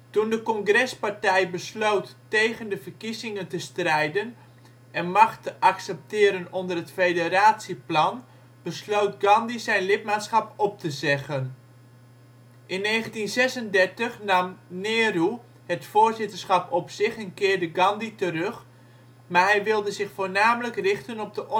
Toen de Congrespartij besloot tegen de verkiezingen te strijden en macht te accepteren onder het federatieplan, besloot Gandhi zijn lidmaatschap op te zeggen. In 1936 nam Nehru het voorzitterschap op zich en keerde Gandhi terug, maar hij wilde zich voornamelijk richten op de onafhankelijkheidsstrijd